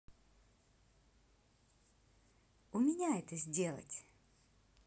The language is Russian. у меня это сделать